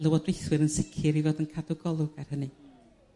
lywodraethwyr yn sicr i fod yn cadw golwg ar hynny.